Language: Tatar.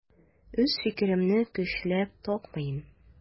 Үз фикеремне көчләп такмыйм.